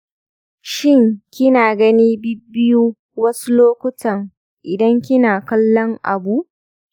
shin kina gani biyu biyu wasu lokutan idan kina kallon abu?